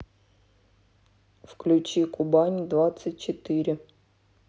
включи кубань двадцать четыре